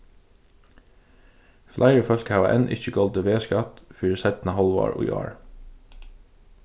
fleiri fólk hava enn ikki goldið vegskatt fyri seinna hálvár í ár